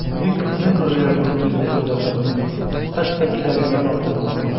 Бик күпне күрергә туры килде, Җәүдәт абый, хәтта кирәгеннән артыгын...